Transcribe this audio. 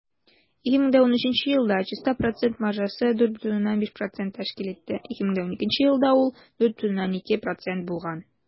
2013 елда чиста процент маржасы 4,5 % тәшкил итте, 2012 елда ул 4,2 % булган.